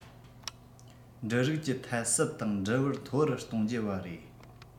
འབྲུ རིགས ཀྱི ཐད གསབ དང འབྲུ བར མཐོ རུ གཏོང རྒྱུ བར རེད